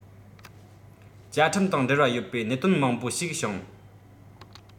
བཅའ ཁྲིམས དང འབྲེལ བ ཡོད པའི གནད དོན མང པོ ཞིག བྱུང